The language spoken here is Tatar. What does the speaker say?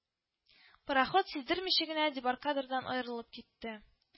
Пароход сиздермичә генә дебаркадердан аерылып китте